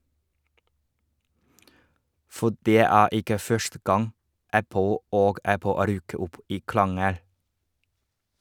For det er ikke første gang Apple og Apple ryker opp i krangel.